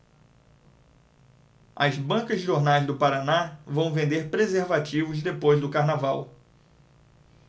as bancas de jornais do paraná vão vender preservativos depois do carnaval